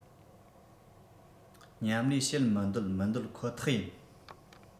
མཉམ གླས བྱེད མི འདོད མི འདོད ཁོ ཐག ཡིན